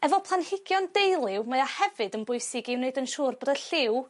Efo planhigion deuliw mae o hefyd yn bwysig i wneud yn siŵr bod y lliw